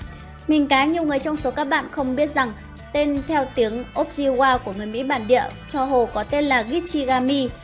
mình cá là nhiều người trong số các bạn không biết rằng tên ojibwa của người mỹ bản địa cho hồ là gichigami